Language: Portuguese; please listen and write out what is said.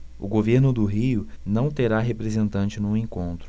o governo do rio não terá representante no encontro